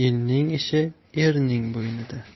elning ishi erning bo'ynida